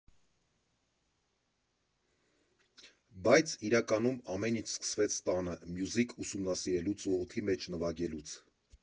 Բայց իրականում ամեն ինչ սկսեց տանը մյուզիք ուսումնասիրելուց ու օդի մեջ նվագելուց։